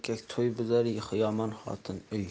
buzar yomon xotin uy